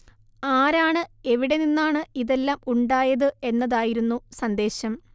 ആരാണ് എവിടെ നിന്നാണ് ഇതെല്ലാം ഉണ്ടായത് എന്നതായിരുന്നു സന്ദേശം